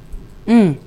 Un